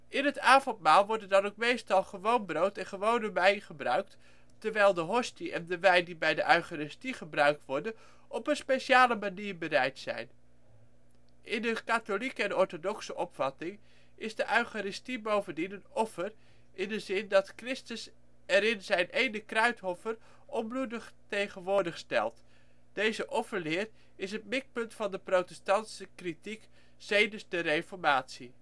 In het avondmaal worden dan ook meestal gewoon brood en gewone wijn gebruikt, terwijl de hostie en de wijn die bij de eucharistie gebruikt worden op een speciale manier bereid zijn. In de katholieke en orthodoxe opvatting is de eucharistie bovendien een offer, in de zin, dat Christus erin Zijn éne kruisoffer onbloedig tegenwoordig stelt. Deze offerleer is het mikpunt van de protestantse kritiek sedert de Reformatie